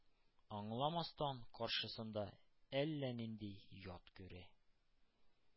Аңламастан, каршысында әллә нинди «ят» күрә.